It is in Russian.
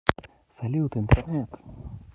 салют интернет